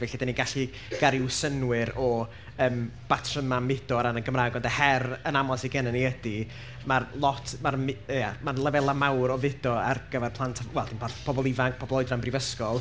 Felly, dan ni'n gallu gael ryw synnwyr o yym batrymau mudo ar ran y Gymraeg. Ond, y her, yn aml sydd gennyn ni ydy, mae'r lot, mae'r mu-... ia lefelau mawr o fudo ar gyfer plant, wel dim plant pobl ifanc, pobl oedran brifysgol.